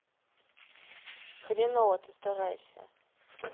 хренова ты старайся